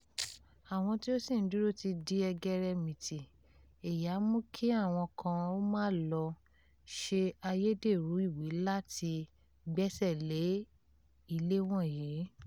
Àwọn tí ó ṣì ń dúró ti di ẹgẹrẹmìtì, èyí á mú kí àwọn kan ó máa lọ (ṣe ayédèrú ìwé láti) gbẹ́sẹ̀ lé ilé wọ̀nyí.